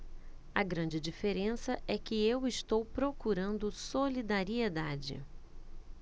a grande diferença é que eu estou procurando solidariedade